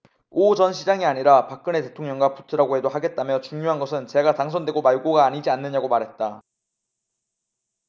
오 전 시장이 아니라 박근혜 대통령과 붙으라고 해도 하겠다며 중요한 것은 제가 당선되고 말고가 아니지 않느냐고 말했다